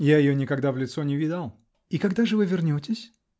-- Я ее никогда в лицо не видал. -- И когда же вы вернетесь?